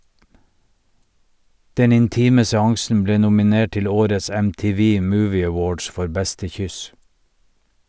Den intime seansen ble nominert til årets MTV Movie Awards for beste kyss.